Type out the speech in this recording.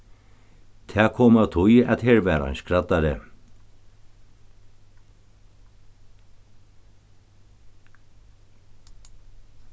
tað kom av tí at her var ein skraddari